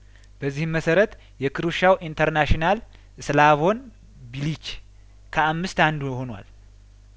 በዚህም መሰረት የክሩሽያው ኢንተርናሽናል ስላቮን ቢሊች ከአምስት አንዱ ሆኗል